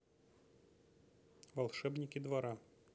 волшебники двора